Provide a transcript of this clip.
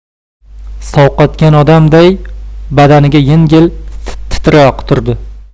sovqatgan odamday badaniga yengil titroq turdi